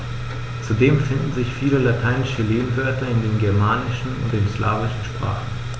Zudem finden sich viele lateinische Lehnwörter in den germanischen und den slawischen Sprachen.